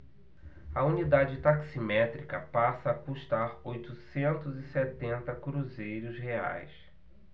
a unidade taximétrica passa a custar oitocentos e setenta cruzeiros reais